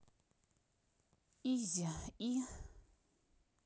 изи и